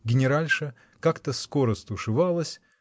генеральша как-то скоро стушевалась